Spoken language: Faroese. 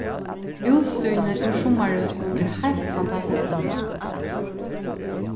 útsýnið úr summarhúsinum er heilt fantastiskt